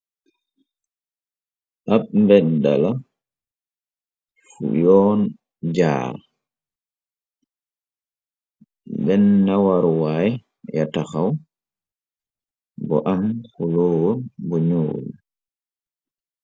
Ab mbeddala fu yoon jaar bena waruwaay ya taxaw bu am koloor bu nuul.